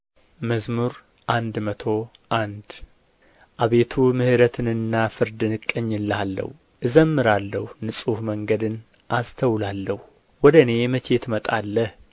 መዝሙር መቶ አንድ አቤቱ ምሕረትንና ፍርድን እቀኝልሃለሁ እዘምራለሁ ንጹሕ መንገዱንም አስተውላለሁ ወደ እኔ መቼ ትመጣለህ